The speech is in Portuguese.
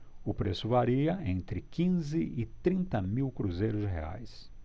o preço varia entre quinze e trinta mil cruzeiros reais